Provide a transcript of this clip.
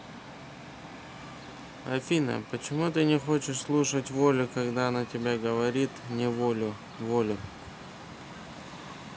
афина почему ты не хочешь слушать волю когда она тебя говорит неволю волю